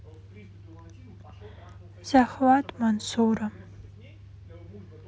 захват мансура